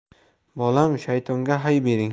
bolam shaytonga hay bering